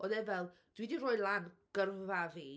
oedd e fel; "dwi 'di rhoi lan gyrfa fi"...